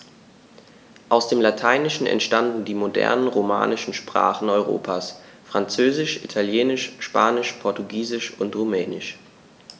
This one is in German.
Aus dem Lateinischen entstanden die modernen „romanischen“ Sprachen Europas: Französisch, Italienisch, Spanisch, Portugiesisch und Rumänisch.